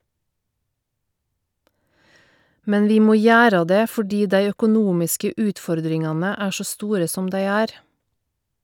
Men vi må gjera det fordi dei økonomiske utfordringane er så store som dei er.